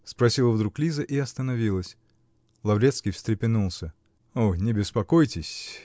-- спросила вдруг Лиза и остановилась. Лаврецкий встрепенулся. -- О, не беспокойтесь!